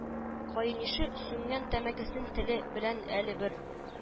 Каенише, сүнгән тәмәкесен теле белән әле бер